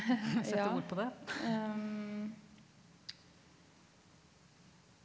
ja .